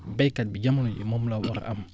béykat bi jamono ji moom la war a am